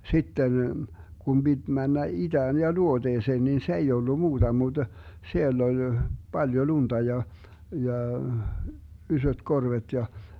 sitten kun piti mennä itään ja luoteeseen niin se ei ollut muuta mutta siellä oli paljon lunta ja ja isot korvet ja